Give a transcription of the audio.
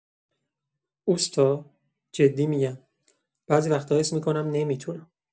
اوستا، جدی می‌گم، بعضی وقت‌ها حس می‌کنم نمی‌تونم.